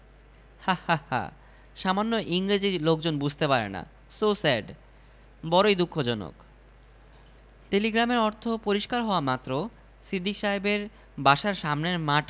হা হা হা সামান্য ইংরেজী লোকজন বুঝতে পারে না সো সেড বড়ই দুঃখজনক টেলিগ্রামের অর্থ পরিষ্কার হওয়ামাত্র সিদ্দিক সাহেবের বাসার সামনের মাঠ